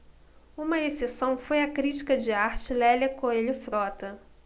uma exceção foi a crítica de arte lélia coelho frota